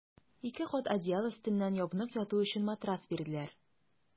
Ике кат одеял өстеннән ябынып яту өчен матрас бирделәр.